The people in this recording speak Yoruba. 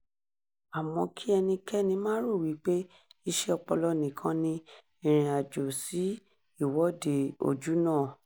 Àmọ́ kí ẹnikẹ́ni máà rò wípé iṣẹ́ ọpọlọ nìkan ni ìrìnàjò sí Ìwọ́de Ojúnà.